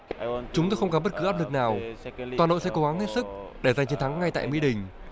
chúng tôi không gặp bất cứ áp lực nào toàn đội sẽ cố gắng hết sức để giành chiến thắng ngay tại mỹ đình